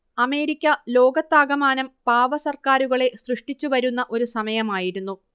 America ലോകത്താകമാനം പാവ സർക്കാരുകളെ സൃഷ്ടിച്ചു വരുന്ന ഒരു സമയമായിരുന്നു